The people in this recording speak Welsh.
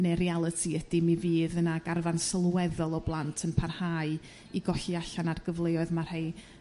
Ne' realiti ydi mi fydd yna garfan sylweddol o blant yn parhau i golli allan ar gyfleoedd ma' rhei